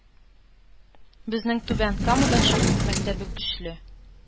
Безнең Түбән Камада шахмат мәктәбе көчле,